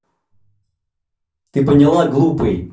ты поняла глупый